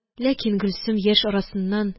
Ләкин Гөлсем яшь арасыннан